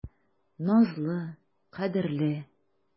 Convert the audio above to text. Назлы, кадерле.